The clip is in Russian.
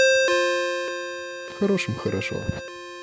хорошем хорошо